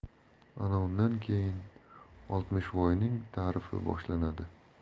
ana undan keyin oltmishvoyning tarifi boshlanadi